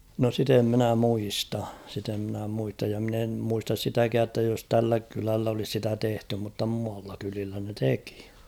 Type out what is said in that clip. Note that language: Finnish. no sitä en minä muista sitä en minä muista ja minä en muista sitäkään että jos tällä kylällä olisi sitä tehty mutta muualla kylillä ne teki